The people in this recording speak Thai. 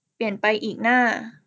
เปลี่ยนไปอีกหน้า